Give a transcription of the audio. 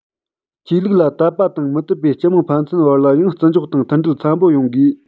ཆོས ལུགས ལ དད པ དང མི དད པའི སྤྱི དམངས ཕན ཚུན བར ལ ཡང བརྩི འཇོག དང མཐུན སྒྲིལ འཚམ པོ ཡོང དགོས